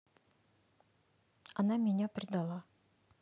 она меня предала